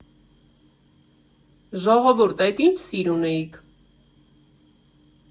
Ժողովուրդ էդ ինչ սիրուն էիք.